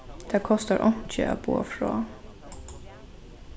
tað kostar einki at boða frá